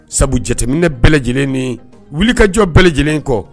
Sabu jateminɛ ne bɛɛ lajɛlennen wuli kajɔ bɛɛ lajɛlen kɔ